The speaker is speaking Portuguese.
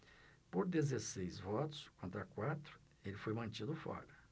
por dezesseis votos contra quatro ele foi mantido fora